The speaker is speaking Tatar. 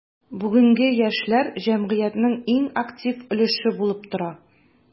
Бүгенге яшьләр – җәмгыятьнең иң актив өлеше булып тора.